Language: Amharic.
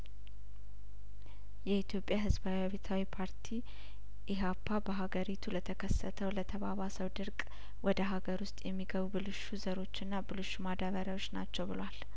የኢትዮጵያ ህዝባዊ አብዮታዊ ፓርቲ ኢህአፓ በሀገሪቱ ለተከሰተው ለተባባሰው ድርቅ ወደ ሀገር ውስጥ የሚገቡ ብልሹ ዘሮችና ብልሹ ማዳበሪያዎች ናቸው ብሏል